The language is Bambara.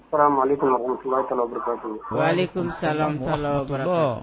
Salaamu alehikumu warahamatulayi taala wa barakatuhu